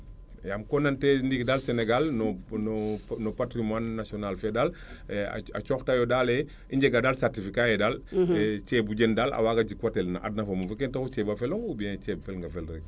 ceeb yaam ko nan ndiiki daal Senegal no no patrimoine national fe daal a coox teyo daal e i njega daal cerficat yee daal ceebu jen daal a waaga jik wa tel no adna fa muum kene taxu ceeb a felong ou bien ceeb fel nge fel rek